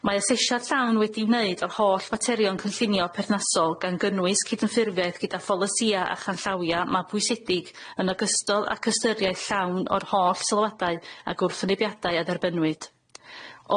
Mae asesiad llawn wedi'i wneud o'r holl faterion cynllunio perthnasol gan gynnwys cydymffurfiaeth gyda pholisïa' a chanllawia' mabwysedig yn ogystal ac ystyriaeth llawn o'r holl sylwadau a gwrthwynebiadau a dderbyniwyd.